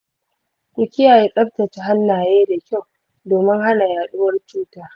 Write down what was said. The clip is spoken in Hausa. ku kiyaye tsaftace hannaye da kyau domin hana yaɗuwar cutar.